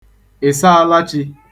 ị̀saalachī